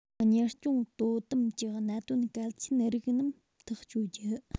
གཉེར སྐྱོང དོ དམ གྱི གནད དོན གལ ཆེ རིགས རྣམས ཐག གཅོད རྒྱུ